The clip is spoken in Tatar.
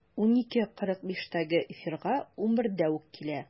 12.45-тәге эфирга 11-дә үк килә.